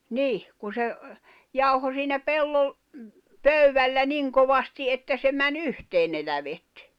niin kun se jauhoi siinä - pöydällä niin kovasti että se meni yhteen ne lävet